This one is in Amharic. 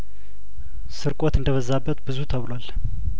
ስርቆት እንደበዛበት ብዙ ተብሏል